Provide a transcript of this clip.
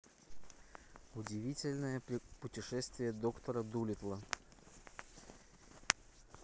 удивительное путешествие доктора дуллитла